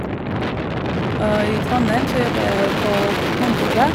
I Trondheim så jobber jeg på kontoret.